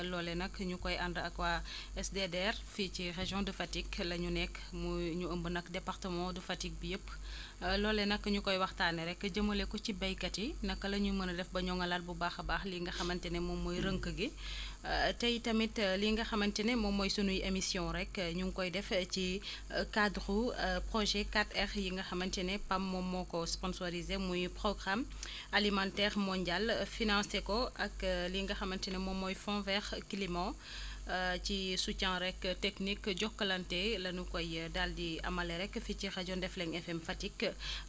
loolee nag énu koy ànd ak waa SDRDR fii ci région de Fatick la ñu nekk muy ñu ëmb nag département de Fatick bi yëpp loolee nag ñu koy waxtaanee rek jëmale ko ci béykat yi naka la ñu mën a def ba ñoŋalaat bu baax a baax lii nga xamante ne moom mooy rënk gi tey tamit lii nga xamante ne moom mooy sunuy émissions rek ñu ngi koy def ci cadre projet 4R yi nga xamante ne PAM moom moo ko sponsorisé muy programme alimentaire mondial financé ko lii nga xamante ne moom mooy Fond vert climat ci soutien rek technique Jokalante la ñu koy daal di amalee rek fii ci rajo Ndefleng FM Fatick